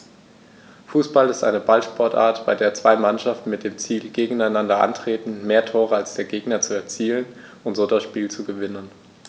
Fußball ist eine Ballsportart, bei der zwei Mannschaften mit dem Ziel gegeneinander antreten, mehr Tore als der Gegner zu erzielen und so das Spiel zu gewinnen.